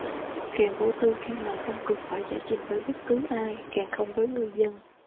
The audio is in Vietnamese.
càng vô tư khi mà không cần phải giải trình với bất cứ ai càng không với người dân